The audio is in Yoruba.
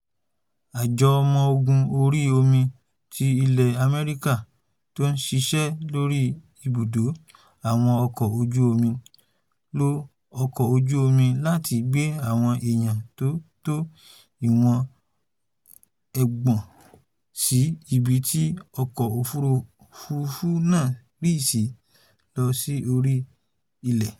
Àjọ ọmọ-ogun orí omi ti ilẹ̀ Amẹ́ríkà tó ń ṣiṣẹ́ lóri ibùdóò àwọn ọkọ̀ ojú-omi lo ọkọ̀ ojú-omi láti gbé àwọn èèyàn tó tó iwọ̀n ọgbọ̀n (30) sí ibi tí ọkọ̀-òfúrufú náà rì sí lọ sí orí ilẹ̀.